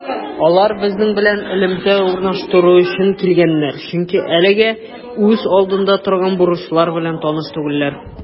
Алар безнең белән элемтә урнаштыру өчен килгәннәр, чөнки әлегә үз алдында торган бурычлар белән таныш түгелләр.